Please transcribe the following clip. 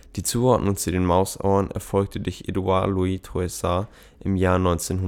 Die Zuordnung zu den Mausohren erfolgte durch Édouard Louis Trouessart im Jahr 1904